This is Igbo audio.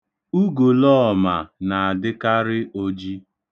Ugolọọma na-adịkarị oji.